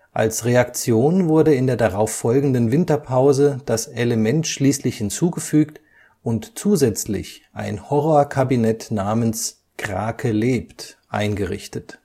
Als Reaktion wurde in der darauffolgenden Winterpause das Element schließlich hinzugefügt und zusätzlich ein Horrorkabinett namens Krake Lebt eingerichtet